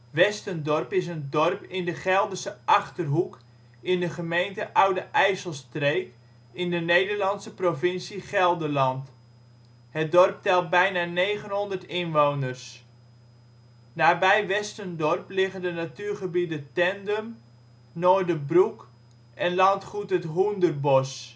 Westendorp is een dorp in de Gelderse Achterhoek, in de gemeente Oude IJsselstreek in de Nederlandse provincie Gelderland. Het dorp telt bijna 900 inwoners. Nabij Westendorp liggen de natuurgebieden Tandem, Noorderbroek en landgoed het Hoenderbosch